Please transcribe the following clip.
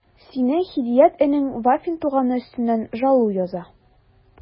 Синең Һидият энең Вафин туганы өстеннән жалу яза...